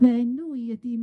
Fy enw i ydi...